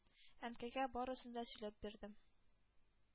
Әнкәйгә барысын да сөйләп бирдем.